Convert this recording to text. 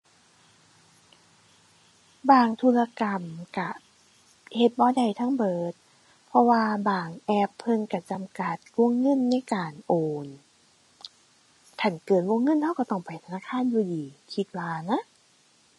บางธุรกรรมก็เฮ็ดบ่ได้ทั้งเบิด เพราะว่าบางแอปเพิ่นก็จำกัดวงเงินในการโอน ถ้าหั้นเกินวงเงินก็ก็ต้องไปธนาคารอยู่ดี คิดว่านะ